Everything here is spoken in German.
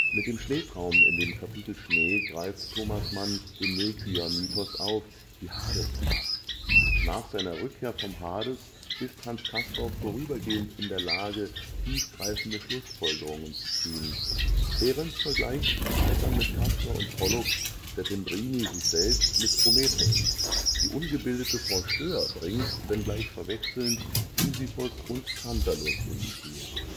Mit dem Schneetraum in dem Kapitel „ Schnee “greift Thomas Mann den Nekyia-Mythos auf, die Hadesfahrt. Nach seiner Rückkehr vom Hades ist Hans Castorp vorübergehend in der Lage, tiefgreifende Schlussfolgerungen zu ziehen. – Behrens vergleicht die Vettern mit Castor und Pollux, Settembrini sich selbst mit Prometheus. – Die ungebildete Frau Stöhr bringt, wenngleich verwechselnd, Sisyphos und Tantalus ins Spiel